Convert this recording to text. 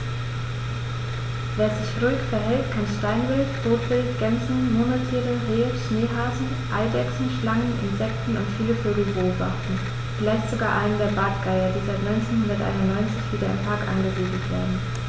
Wer sich ruhig verhält, kann Steinwild, Rotwild, Gämsen, Murmeltiere, Rehe, Schneehasen, Eidechsen, Schlangen, Insekten und viele Vögel beobachten, vielleicht sogar einen der Bartgeier, die seit 1991 wieder im Park angesiedelt werden.